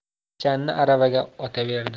pichanni aravaga otaverdi